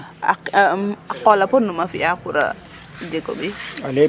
xa a qool a podnuma fiya pour a jeg o ɓiy?